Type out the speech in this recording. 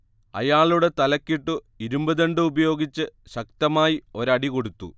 അയാളുടെ തലക്കിട്ടു ഇരുമ്പ്ദണ്ഡ് ഉപയോഗിച്ച് ശക്തമായി ഒരടി കൊടുത്തു